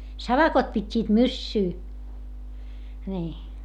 savakot pitivät myssyä niin